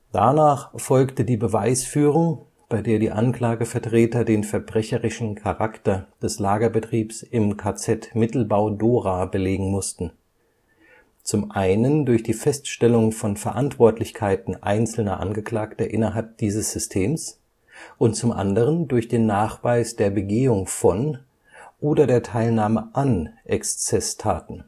Danach folgte die Beweisführung, bei der die Anklagevertreter den verbrecherischen Charakter des Lagerbetriebs im KZ Mittelbau-Dora belegen mussten: Zum einen durch die Feststellung von Verantwortlichkeiten einzelner Angeklagter innerhalb dieses Systems und zum anderen durch den Nachweis der Begehung von oder der Teilnahme an Exzesstaten